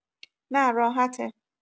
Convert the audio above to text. نه راحته